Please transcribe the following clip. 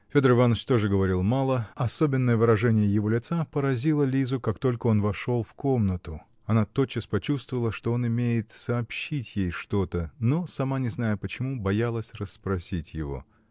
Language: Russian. Федор Иваныч тоже говорил мало, особенное выражение его лица поразило Лизу, как только он вошел в комнату: она тотчас почувствовала, что он имеет сообщить ей что-то, но, сама не зная почему, боялась расспросить его.